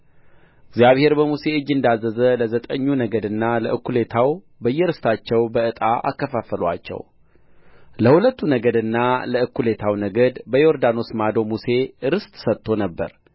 እግዚአብሔር በሙሴ እጅ እንዳዘዘ ለዘጠኙ ነገድና ለእኩሌታው በየርስታቸው በዕጣ አካፈሉአቸው ለሁለቱ ነገድና ለእኩሌታው ነገድ በዮርዳኖስ ማዶ ሙሴ ርስት ሰጥቶ ነበረ